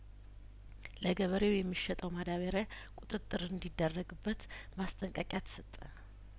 ለገበሬው የሚሸጠው ማዳበሪያ ቁጥጥር እንዲደረግበት ማስጠንቀቂያ ተሰጠ